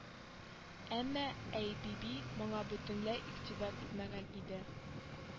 Әмма айбиби моңа бөтенләй игътибар итмәгән иде